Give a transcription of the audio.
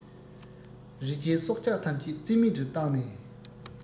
རི སྐྱེས སྲོག ཆགས ཐམས ཅད རྩེ མེད དུ བཏང ནས